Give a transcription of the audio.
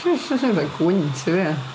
Jyst swnio fel gwynt i fi ia.